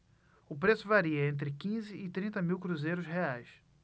o preço varia entre quinze e trinta mil cruzeiros reais